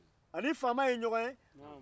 a ni faama ye ɲɔgɔn ye